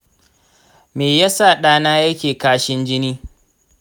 meyasa ɗana yake kashin jini?